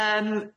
Yym.